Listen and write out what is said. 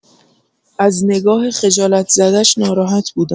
از نگاه خجالت زدش ناراحت بودم.